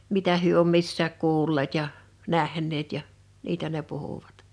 mitä he on missäkin kuulleet ja nähneet ja niitä ne puhuivat